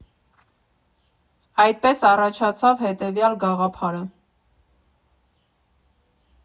Այդպես առաջացավ հետևյալ գաղափարը.